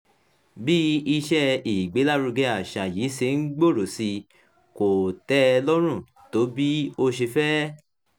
Bí iṣẹ́ ìgbélárugẹ àṣà yìí ṣe ń gbòòrò sí i, kò tẹ́ ẹ lọ́rùn tó bí ó ṣe fẹ́.